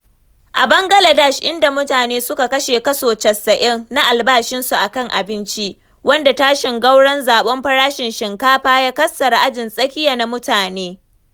A Bangaladesh, inda mutane suke kashe kaso 80% na albashinsu a kan abinci, wanda tashin gwauron zabon farashin shinkafa ya kassara ajin tsakiya na mutane.